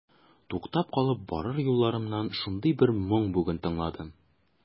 Туктап калып барыр юлларымнан шундый бер моң бүген тыңладым.